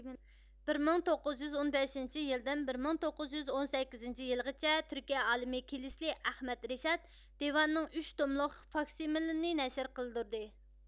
بىر مىڭ توققۇزيۈز ئون بەشىنچى يىلدىن بىر مىڭ توققۇزيۈز ئون سەككىزىنچى يىلغىچە تۈركىيە ئالىمى كىلسىلى ئەخمەت رىشات دىۋان نىڭ ئۈچ توملۇق فاكسىمىلىنى نەشر قىلدۇردى